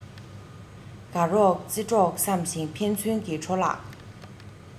དགའ རོགས རྩེད གྲོགས བསམ ཞིང ཕན ཚུན གྱི འཕྲོ བརླག